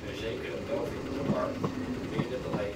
zekere Melvin Dummar beweerde dat hij